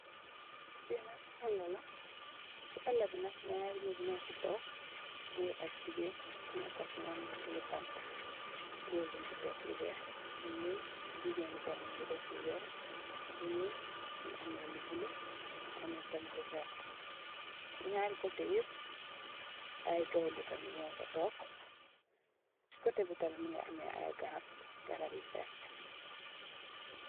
Fii nak aaalar la, cii aaalar bii nak njaari nitt njur fii tok gorre ak gigain, ku neka cii njom mungy tiyeh banta, gorre bii mungy def lu wekh, lu njull, gigain bii tamit mungy deff lu wekh, lu njull, mungy ameh lu bleu, mungy ameh tamit lu vertue, cii njaari coteh yehp aiiy gaindeh tamit njur fa tok, cii coteh bii tamit mungy ameh aiiy garab, garab yu vertue.